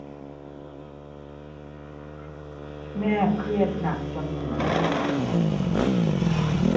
แม่เครียดหนักจนผมร่วง